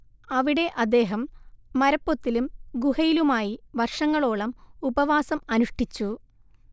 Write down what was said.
അവിടെ അദ്ദേഹം മരപ്പൊത്തിലും ഗുഹയിലുമായി വർഷങ്ങളോളം ഉപവാസം അനുഷ്ഠിച്ചു